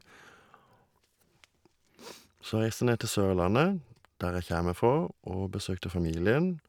Så reiste jeg ned til Sørlandet, der jeg kjeme fra, og besøkte familien.